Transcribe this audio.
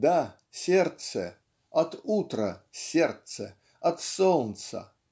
Да, сердце - от утра, сердце - от солнца.